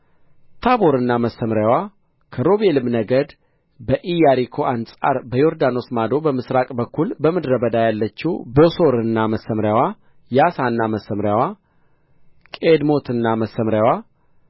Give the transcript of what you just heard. ታቦርና መሰምርያዋ ከሮቤልም ነገድ በኢያሪኮ አንጻር በዮርዳኖስ ማዶ በምሥራቅ በኩል በምድረ በዳ ያለችው ቦሶርና መሰምርያዋ ያሳና መሰምርያዋ ቅዴሞትና መሰምርያዋ